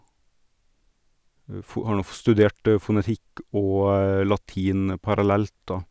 fo Har nå f studert fonetikk og latin parallelt, da.